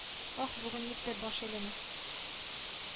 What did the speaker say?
Ул шулай шаулаган икән.